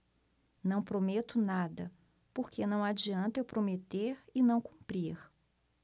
não prometo nada porque não adianta eu prometer e não cumprir